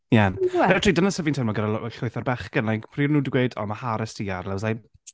Ie, literally dyna sut fi'n teimlo gyda l- like llwyth o'r bechgyn. Like pryd maen nhw 'di gweud "O mae Harris 'di gadael?" I was like...